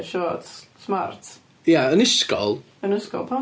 Shorts smart?... Ie, yn ysgol ... Yn ysgol pam...